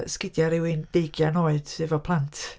Esgidiau rhywun deugain oed sydd efo plant.